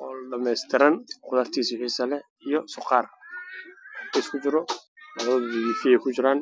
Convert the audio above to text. Cunta dhamees tiran iyo suqaar ku jiraan